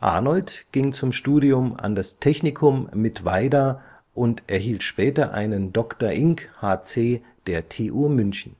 Arnold ging zum Studium an das Technikum Mittweida und erhielt später einen Dr. ing. h.c. der TU München